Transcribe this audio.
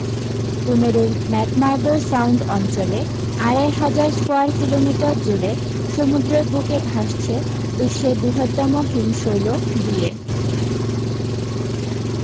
কূমেরুর McMurdo sound অঞ্চলে আড়াই হাজার স্কোয়ার কিলোমিটার জুড়ে সমুদ্রের বুকে ভাসছে বিশ্বের বৃহত্তম হিমশৈল বিএ